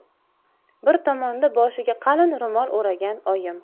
bir tomonda boshiga qalin ro'mol o'ragan oyim